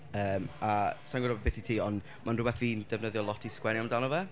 Yym a, sa i'n gwbod beth i ti ond mae'n rhywbeth fi'n defnyddio lot i sgwennu amdano fe.